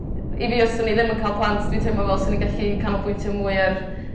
I fi os o'n i ddim yn ca'l plant dwi'n teimlo fel swn i'n gallu canolbwyntio mwy ar